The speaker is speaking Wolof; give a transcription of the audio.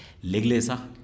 léeg-léeg sax